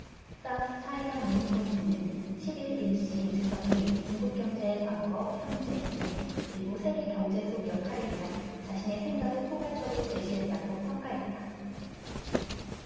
사우스차이나모닝포스트는 십 일 일 시 주석이 중국 경제의 과거 현재 미래 그리고 세계경제 속 역할에 대한 자신의 생각을 포괄적으로 제시했다고 평가했다